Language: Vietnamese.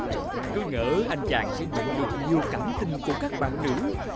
cứ ngỡ anh chàng sẽ nhận được nhiều cảm tình của các bạn nữ